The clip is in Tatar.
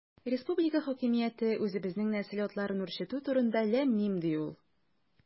Республика хакимияте үзебезнең нәсел атларын үрчетү турында– ләм-мим, ди ул.